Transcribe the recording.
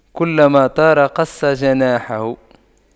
كلما طار قص جناحه